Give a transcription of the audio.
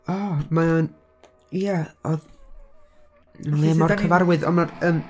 O, mae o'n, ia, oedd, yn le mor cyfarwydd ond ma'r, yym.